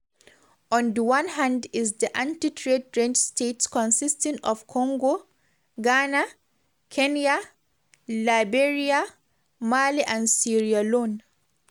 On the one hand is the anti-trade range states consisting of Congo, Ghana, Kenya, Liberia, Mali and Sierra Leone.